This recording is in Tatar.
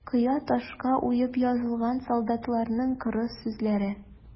Кыя ташка уеп язылган солдатларның кырыс сүзләре.